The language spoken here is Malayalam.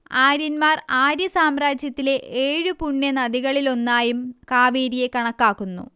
ആര്യന്മാർ ആര്യസാമ്രാജ്യത്തിലെ ഏഴു പുണ്യ നദികളിലൊന്നായും കാവേരിയെ കണക്കാക്കുന്നു